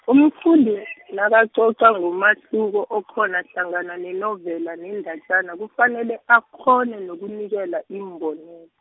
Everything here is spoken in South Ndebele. umfundi , nakacoca ngomahluko okhona hlangana nenovela nendatjana kufanele akghone, nokunikela iimbonelo.